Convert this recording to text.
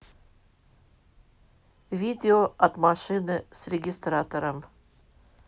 видео от машины с регистратором